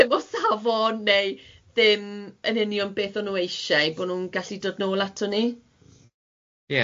ie ddim o safon, neu ddim yn union beth o'n nw eisieu, bo' nhw'n gallu dod nôl ato ni.